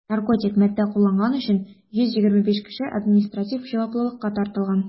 Наркотик матдә кулланган өчен 125 кеше административ җаваплылыкка тартылган.